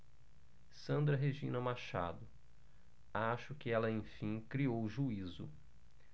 sandra regina machado acho que ela enfim criou juízo